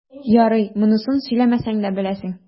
Ярар, монысын сөйләмәсәм дә беләсең.